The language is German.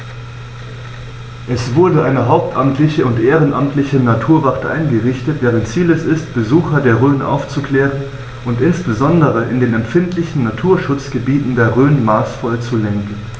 Es wurde eine hauptamtliche und ehrenamtliche Naturwacht eingerichtet, deren Ziel es ist, Besucher der Rhön aufzuklären und insbesondere in den empfindlichen Naturschutzgebieten der Rhön maßvoll zu lenken.